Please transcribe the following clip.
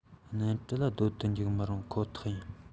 གནམ གྲུ ལ སྡོད དུ འཇུག འཇུག མི རུང ཁོ ཐག ཡིན